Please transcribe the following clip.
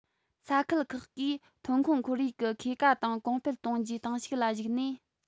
ས ཁུལ ཁག གིས ཐོན ཁུངས ཁོར ཡུག གི འཁོས ཀ དང གོང སྤེལ གཏོང རྒྱུའི གཏིང ཤུགས ལ གཞིགས ནས